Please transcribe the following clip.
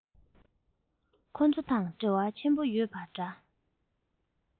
ཁོ ཚོ དང འབྲེལ བ ཆེན པོ ཡོད པ འདྲ